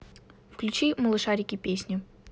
включи малышарики песни